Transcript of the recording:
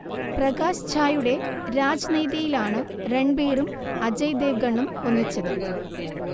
പ്രകാശ് ഝായുടെ രാജ്നീതിയിലാണ് രൺബീറും അജയ് ദേവ്ഗണും ഒന്നിച്ചത്